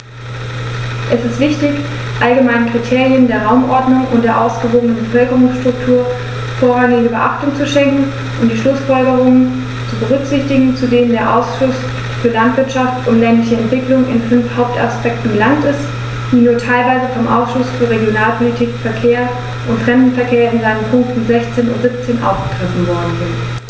Es ist wichtig, allgemeinen Kriterien der Raumordnung und der ausgewogenen Bevölkerungsstruktur vorrangige Beachtung zu schenken und die Schlußfolgerungen zu berücksichtigen, zu denen der Ausschuss für Landwirtschaft und ländliche Entwicklung in fünf Hauptaspekten gelangt ist, die nur teilweise vom Ausschuss für Regionalpolitik, Verkehr und Fremdenverkehr in seinen Punkten 16 und 17 aufgegriffen worden sind.